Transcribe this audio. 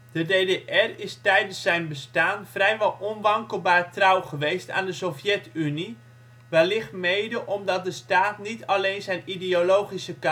De DDR is tijdens zijn bestaan vrijwel onwankelbaar trouw geweest aan de Sovjet-Unie, wellicht mede omdat de staat niet alleen zijn ideologische karakter